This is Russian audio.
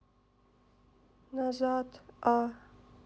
назад а